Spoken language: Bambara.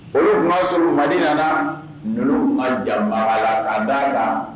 Olu ma sɔn ma di olu ma ja la ka daa la